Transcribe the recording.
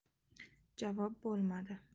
javob bo'lmadi